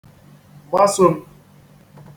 gbasom